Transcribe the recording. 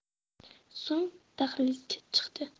so'ng dahlizga chiqdi